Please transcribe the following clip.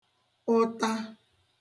ụta